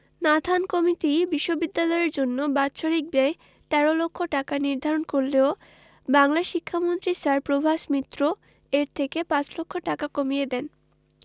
Nathan committee বিশ্ববিদ্যালয়ের জন্য বাৎসরিক ব্যয় ১৩ লক্ষ টাকা নির্ধারণ করলেও বাংলার শিক্ষামন্ত্রী স্যার প্রভাস মিত্র এর থেকে পাঁচ লক্ষ টাকা কমিয়ে দেন